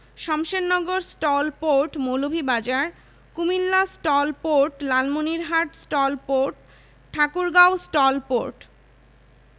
জতীয় মাছ ইলিশকে বলা হয় অ্যানাড্রোমাস মাছ এটি লবণাক্ত ও স্বাদু উভয় ধরনের পানিতেই বসবাস করে